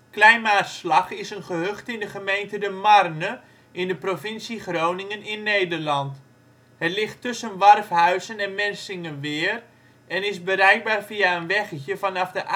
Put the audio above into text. Klein Maarslag is een gehucht in de gemeente De Marne in de provincie Groningen, Nederland. Het ligt tussen Warfhuizen en Mensingeweer en is bereikbaar via een weggetje vanaf de